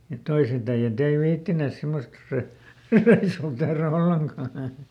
mutta toiset äijät ei viitsineet semmoista - reissua tehdä ollenkaan